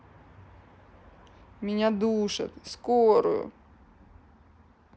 меня душат скорую